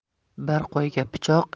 bir qo'yga pichoq